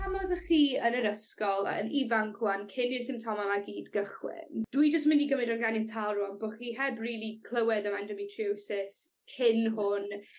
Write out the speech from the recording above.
Pan oeddech chi yn yr ysgol yn ifanc rŵan cyn i'r symptoma 'ma gyd gychwyn dwi jys myn' i gymyd o'n ganiataol rŵan bo' chi heb rili clywed ym endometriosis cyn hwn